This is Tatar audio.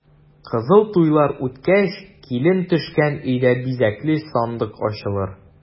Кызыл туйлар үткәч, килен төшкән өйдә бизәкле сандык ачылыр.